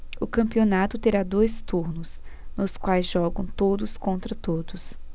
o campeonato terá dois turnos nos quais jogam todos contra todos